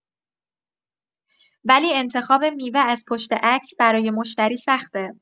ولی انتخاب میوه از پشت عکس برای مشتری سخته.